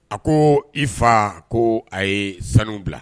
A ko i fa ko a ye sanu bila